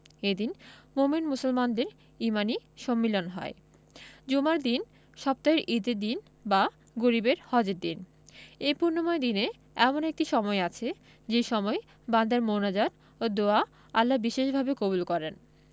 এদিন মোমিন মুসলমানদের ইমানি সম্মিলন হয় জুমার দিন সপ্তাহের ঈদের দিন বা গরিবের হজের দিন এ পুণ্যময় দিনে এমন একটি সময় আছে যে সময় বান্দার মোনাজাত ও দোয়া আল্লাহ বিশেষভাবে কবুল করেন